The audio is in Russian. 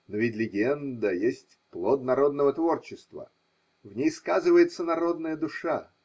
Но ведь легенда есть плод народного творчества, и в ней сказывается народная душа.